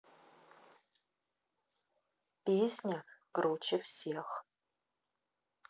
песня круче всех